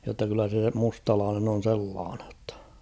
jotta kyllä se mustalainen on sellainen että